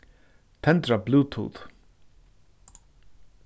tendra bluetooth